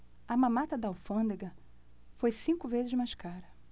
a mamata da alfândega foi cinco vezes mais cara